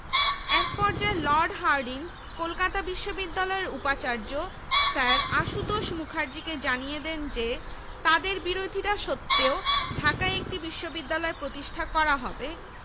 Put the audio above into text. Presidency কলেজের অধ্যাপক C W Peake এবং কলকাতা সংস্কৃত কলেজের অধ্যক্ষ সতীশচন্দ্র আচার্য নাথান কমিটি নামে পরিচিত এ কমিটি